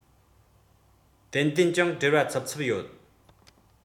ཏན ཏན ཅུང བྲེལ བ འཚུབ འཚུབ ཡོད